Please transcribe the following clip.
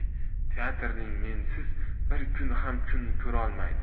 teatring mensiz bir kun ham kun ko'rolmaydi